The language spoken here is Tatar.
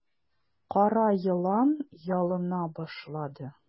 Кара елан ялына башлады.